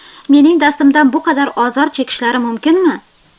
mening dastimdan bu qadar ozor chekishlari mumkinmi